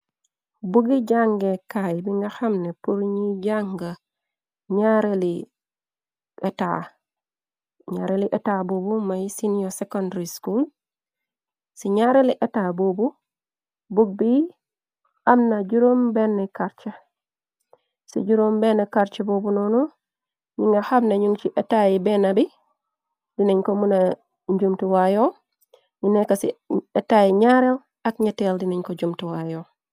Buggi jànge kaay bi nga xamna pur ñi jànga ñaareli eta buubu may sinior secondry school ci ñaareli eta buubu bug bi am na juróom benn karce bubu noonu ñu nga xam na ñu ci etaayi benna bi dinañ ko muna njumtuwaayo ñu nekka ci etaayi ñaare ak ña teel dinañ ko jumtuwaayo.